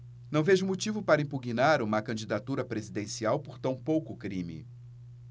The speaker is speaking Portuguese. não vejo motivo para impugnar uma candidatura presidencial por tão pouco crime